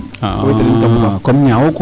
a comme ñaawo quoi